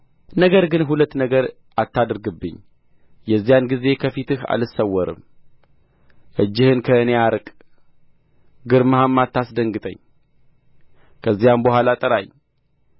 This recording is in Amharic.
ነገር ግን ሁለት ነገር አታድርግብኝ የዚያን ጊዜ ከፊትህ አልሰወርም እጅህን ከእኔ አርቅ ግርማህም አታስደንግጠኝ ከዚያም በኋላ ጥራኝ